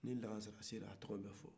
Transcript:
ni lagansara selila a tɔgɔ bɛ fɔ